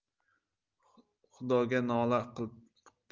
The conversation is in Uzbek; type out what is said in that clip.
xudoga nola qipti